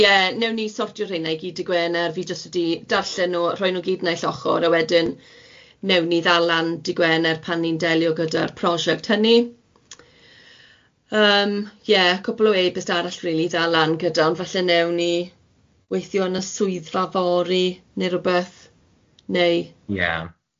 ie ma' rai wedi dod mewn ynghylch digwyddiad 'ny.